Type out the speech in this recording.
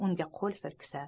unga qo'l silkitsa